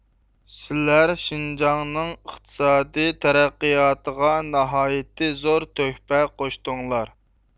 سىلەر شىنجاڭنىڭ ئىقتىسادىي تەرەققىياتىغا ناھايىتى زور تۆھپە قوشتۇڭلار